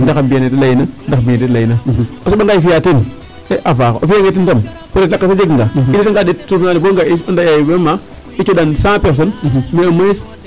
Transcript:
Ndax a mbi'aa ne da layeena ndax mbi'ee ne da leyeena a soɓangaa ye fi'a teen a faaxa a fi'angee teen kon lakas a njegnga i ɗetanga ɗeet bo nga' ee vraiment o cooɗaang 100 personnes.